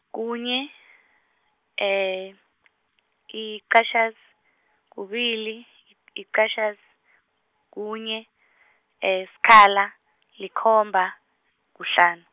kunye, iqatjhazi, kubili, yi- yiqatjhazi , kunye, sikhala, likhomba, kuhlanu.